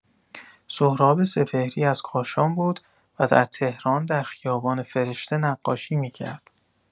سهراب سپهری از کاشان بود و در تهران در خیابان فرشته نقاشی می‌کرد.